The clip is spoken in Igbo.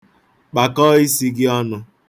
Kpakọọ isi gị ọnụ.